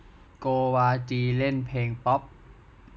โกวาจีเล่นเพลงป๊อป